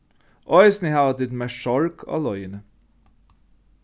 eisini hava tit merkt sorg á leiðini